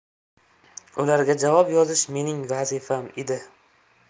ularga javob yozish mening vazifam edi